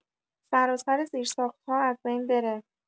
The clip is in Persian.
سراسر زیر ساخت‌ها از بین بره.